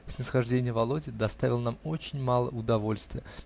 Снисхождение Володи доставило нам очень мало удовольствия